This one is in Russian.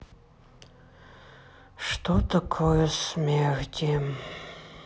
что такое смерти